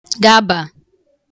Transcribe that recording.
gabà